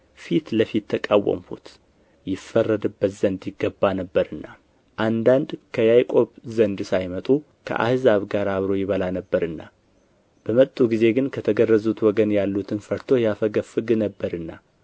ፊት ለፊት ተቃወምሁት ይፈረድበት ዘንድ ይገባ ነበርና አንዳንድ ከያዕቆብ ዘንድ ሳይመጡ ከአሕዛብ ጋር አብሮ ይበላ ነበርና በመጡ ጊዜ ግን ከተገረዙት ወገን ያሉትን ፈርቶ ያፈገፍግ ነበርና